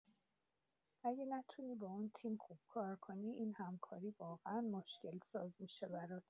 اگه نتونی با اون تیم خوب کار کنی، این همکاری واقعا مشکل‌ساز می‌شه برات.